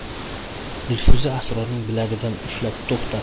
dilfuza srorning bilagidan ushlab tuxtatdi